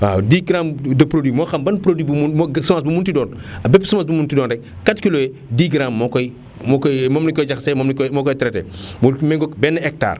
waaw 10 grammes de produit moo xam ban produit bu mu semence bu mu mënti doon bépp semence bu mu mënti doon rek 4 kilos yi 10 grammes moo koy moo koy moom la ñu koy jaxasee moom la ñu koy moo koy traité mu méngoo ak benn hectare